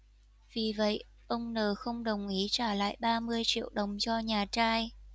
vì vậy ông n không đồng ý trả lại ba mươi triệu đồng cho nhà trai